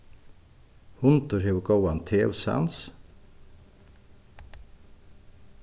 hundur hevur góðan tevsans